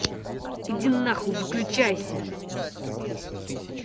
иди нахуй выключайся